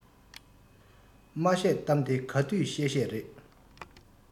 མ བཤད གཏམ དེ ག དུས བཤད བཤད རེད